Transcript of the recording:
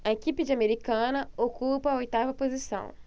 a equipe de americana ocupa a oitava posição